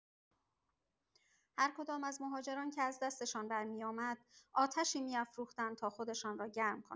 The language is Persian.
هرکدام از مهاجران که از دستشان برمی‌آمد، آتشی می‌افروختند تا خودشان را گرم کنند.